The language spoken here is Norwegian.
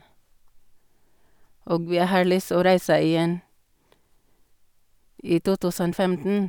Og vi har lyst å reise igjen i to tusen femten.